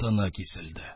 Тыны киселде.